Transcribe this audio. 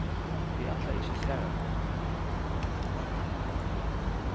eg ætlaði ikki at særa teg